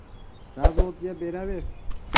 razvodga beraver